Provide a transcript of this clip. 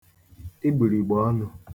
igbìlìgbè ọnụ̄